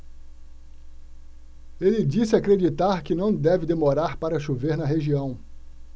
ele disse acreditar que não deve demorar para chover na região